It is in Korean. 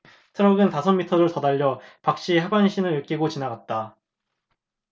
트럭은 다섯 미터를 더 달려 박씨의 하반신을 으깨고 지나갔다